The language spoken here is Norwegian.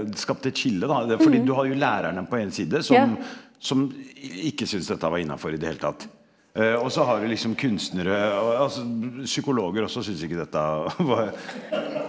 det skapte et skille da fordi du har jo lærerne på en side som som ikke syntes dette var innafor i det hele tatt, også har du liksom kunstnere og altså psykologer også synes ikke dette var.